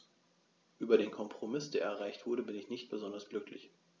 Über den Kompromiss, der erreicht wurde, bin ich nicht besonders glücklich.